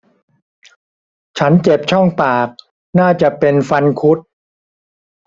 ฉันเจ็บช่องปากน่าจะเป็นฟันคุด